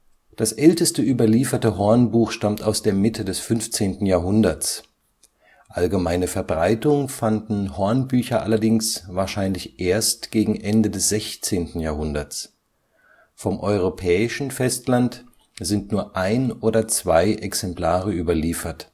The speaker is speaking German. Das älteste überlieferte Hornbuch stammt aus der Mitte des 15. Jahrhunderts; allgemeine Verbreitung fanden Hornbücher allerdings wahrscheinlich erst gegen Ende des 16. Jahrhunderts. Vom europäischen Festland sind nur ein oder zwei Exemplare überliefert